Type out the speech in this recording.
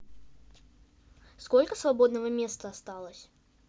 сколько свободного места осталось